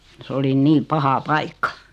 se oli niin paha paikka